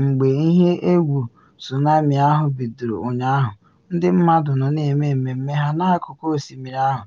“Mgbe ihe egwu tsunami ahụ bidoro ụnyahụ, ndị mmadụ nọ na eme mmemme ha n’akụkụ osimiri ahụ,